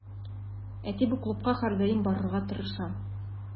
Әти бу клубка һәрдаим барырга тырыша.